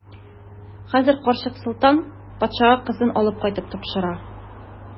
Хәзер карчык Солтан патшага кызын алып кайтып тапшыра.